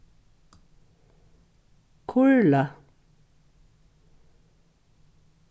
kurla